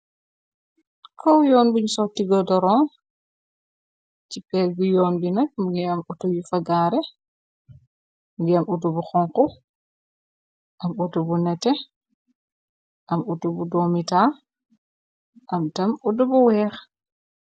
kow yoon buñu sotti go doron ci pég bi yoon bi nak mungi am utu yu fa gaare ndi am utu bu xonxu am utu bu nete am utu bu domita am tem utu bu weex